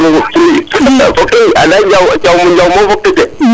fok aussi anda njaw caw moom fok te jeg